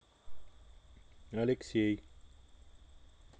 алексей